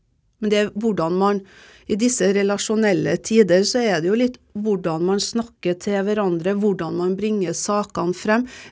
men det hvordan man i disse relasjonelle tider så er det jo litt hvordan man snakker til hverandre hvordan man bringer sakene frem.